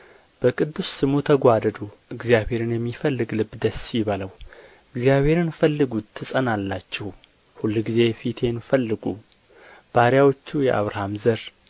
በቅዱስ ስሙ ተጓደዱ እግዚአብሔርን የሚፈልግ ልብ ደስ ይበለው እግዚአብሔርን ፈልጉት ትጸናላችሁም ሁልጊዜ ፊቱን ፈልጉ ባሪያዎቹ የአብርሃም ዘር